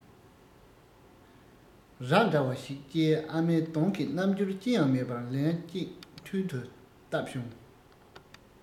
ར འདྲ བ ཞིག ཅེས ཨ མས གདོང གི རྣམ འགྱུར ཅི ཡང མེད པར ལན གཅིག མཐུན དུ བཏབ བྱུང